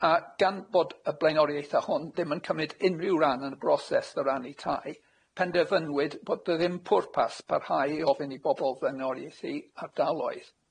A gan bod y blaenoriaethe hon ddim yn cymyd unrhyw ran yn y broses o rannu tai, penderfynwyd bod yy ddim pwrpas parhau i ofyn i bobol flaenoriaethu ardaloedd